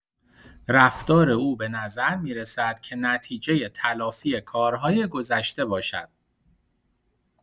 رفتار او به نظر می‌رسد که نتیجه تلافی کارهای گذشته باشد.